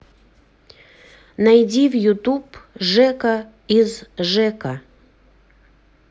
найди в ютуб жека из жэка